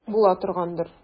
Була торгандыр.